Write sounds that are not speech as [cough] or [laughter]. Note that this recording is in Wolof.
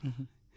[hesitation] [hesitation]